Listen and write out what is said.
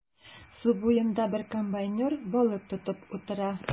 Су буенда бер комбайнер балык тотып утыра.